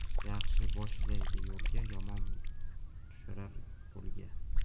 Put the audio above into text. yaxshi boshlaydi yo'lga yomon tushirar qo'lga